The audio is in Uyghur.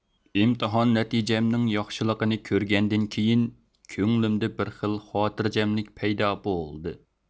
ئىمتىھان نەتىجەمنىڭ ياخشىلىقىنى كۆرگەندىن كېيىن كۆڭلۈمدە بىر خىل خاتىرجەملىك پەيدا بولدى